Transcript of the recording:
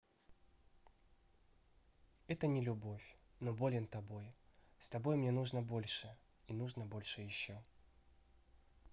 это не любовь но болен тобой с тобой мне нужно больше и нужно больше еще